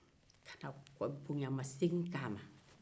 ka na bonyamasegin kɛ a ma